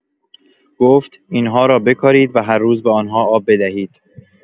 گفت: «این‌ها را بکارید و هر روز به آن‌ها آب بدهید.»